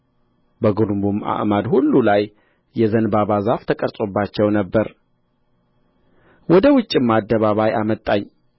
በግንቡም አዕማድ ሁሉ ላይ የዘንባባ ዛፍ ተቀርጾባቸው ነበር ወደ ውጭውም አደባባይ አመጣኝ